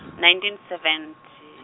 nineteen seventy.